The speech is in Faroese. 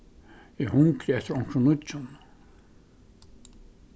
eg hungri eftir onkrum nýggjum